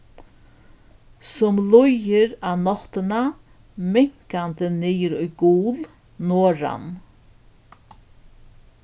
sum líður á náttina minkandi niður í gul norðan